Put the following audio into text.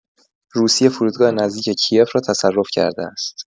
روسیه فرودگاه نزدیک کی‌یف را تصرف کرده است.